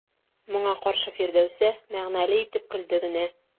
Моңа каршы Фирдәүсә мәгънәле итеп көлде генә.